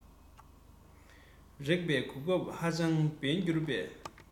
རེག པའི གོ སྐབས ཧ ཅང དབེན འགྱུར པས